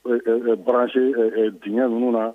Ka barase dinɛ ninnu na